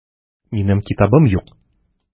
Минем китабым юк.